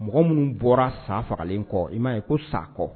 Mɔgɔ minnu bɔra sa fagalen kɔ i m'a ye ko sakɔ